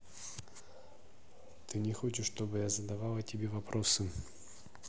ты не хочешь чтобы я задавала тебе вопросы